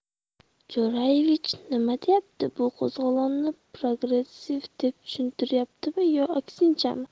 jo'raevich nima deyapti bu qo'zg'olonni progressiv deb tushuntiryaptimi yo aksinchami